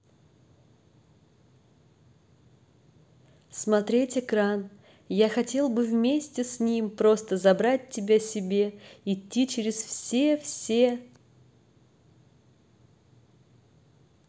смотреть экран я хотел бы вместе с ним просто забрать тебя себе иди через все все